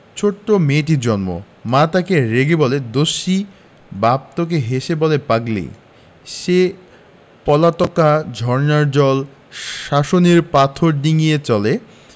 ছোট মেয়েটির জন্ম মা তাকে রেগে বলে দস্যি বাপ তাকে হেসে বলে পাগলি সে পলাতকা ঝরনার জল শাসনের পাথর ডিঙ্গিয়ে চলে